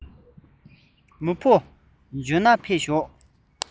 མི ཕོ འཇོན ན ཕེབས ཤོག